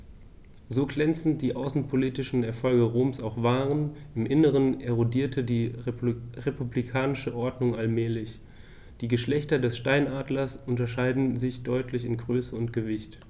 So glänzend die außenpolitischen Erfolge Roms auch waren: Im Inneren erodierte die republikanische Ordnung allmählich. Die Geschlechter des Steinadlers unterscheiden sich deutlich in Größe und Gewicht.